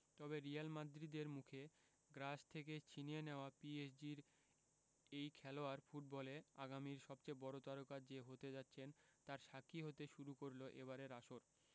তবে রিয়াল মাদ্রিদের মুখে গ্রাস থেকে ছিনিয়ে নেওয়া পিএসজির এই খেলোয়াড় ফুটবলে আগামীর সবচেয়ে বড় তারকা যে হতে যাচ্ছেন তার সাক্ষী হতে শুরু করল এবারের আসর